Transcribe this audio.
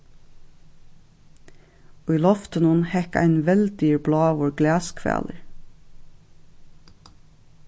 í loftinum hekk ein veldigur bláur glashvalur